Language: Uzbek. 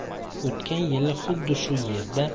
o'tgan yili xuddi shu yerda